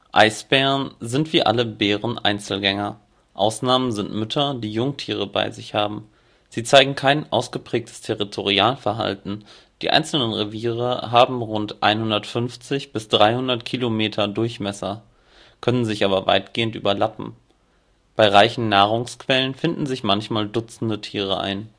Eisbären sind wie alle Bären Einzelgänger, Ausnahmen sind Mütter, die Jungtiere bei sich haben. Sie zeigen kein ausgeprägtes Territorialverhalten, die einzelnen Reviere haben rund 150 bis 300 Kilometer Durchmesser, können sich aber weitgehend überlappen. Bei reichen Nahrungsquellen finden sich manchmal dutzende Tiere ein